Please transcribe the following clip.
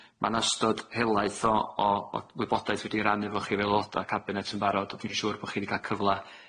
Ma' 'na ystod helaeth o o o wybodaeth wedi ei rannu efo chi fel aeloda' cabinet yn barod a dwi'n fi'n siŵr bo' chi 'di ca'l cyfla